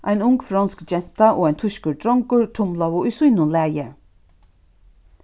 ein ung fronsk genta og ein týskur drongur tumlaðu í sínum lagi